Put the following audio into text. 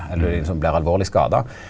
eller du liksom blir alvorleg skada.